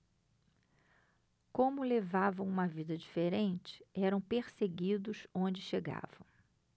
como levavam uma vida diferente eram perseguidos onde chegavam